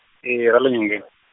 e ra le nyongeni.